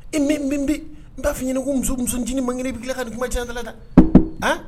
E min bɛ bɛ n b'a fɔ i ɲini ko muso musonincinin man kelen bɛi dilan ka ni kuma ca la dɛ